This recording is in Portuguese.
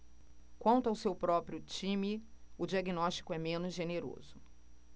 quanto ao seu próprio time o diagnóstico é menos generoso